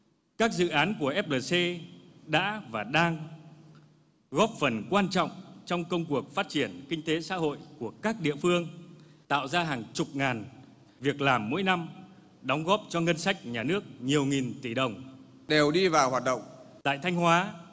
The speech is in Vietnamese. các dự án của ép lờ xê đã và đang góp phần quan trọng trong công cuộc phát triển kinh tế xã hội của các địa phương tạo ra hàng chục ngàn việc làm mỗi năm đóng góp cho ngân sách nhà nước nhiều nghìn tỷ đồng đều đi vào hoạt động tại thanh hóa